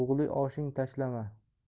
bug'li oshing tashlama